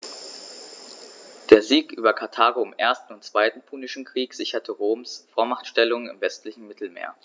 Der Sieg über Karthago im 1. und 2. Punischen Krieg sicherte Roms Vormachtstellung im westlichen Mittelmeer.